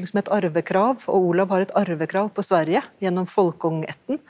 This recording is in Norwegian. liksom et arvekrav, og Olav har et arvekrav på Sverige gjennom Folkungaætten.